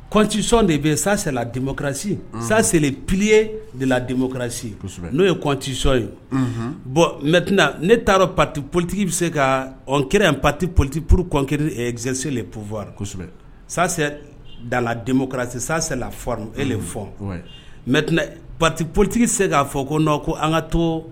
Cotisɔn de bɛ yen salamusi sas ppiye de lamosi kosɛbɛ n'o ye cotisɔn ye bɔn mɛtina ne taara pati politigi bɛ se ka ɔ kɛra pati politi porourkɔnteɛnse de ppwari kosɛbɛ sa dalaladenmo salafar e de fɔ pati politigi se k'a fɔ ko n' ko an ka to